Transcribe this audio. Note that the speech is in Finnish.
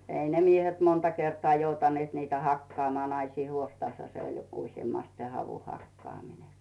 ei ne miehet monta kertaa joutaneet niitä hakkaamaan naisten huostassahan se oli - useimmiten se havunhakkaaminen